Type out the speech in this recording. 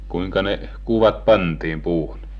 kuinka ne kuvat pantiin puuhun